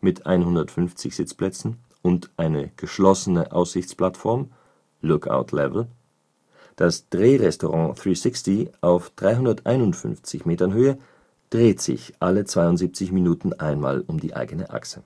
mit 150 Sitzplätzen und eine geschlossene Aussichtsplattform (engl. Look Out Level). Das Drehrestaurant 360 auf 351 Metern Höhe, dreht sich alle 72 Minuten einmal um die eigene Achse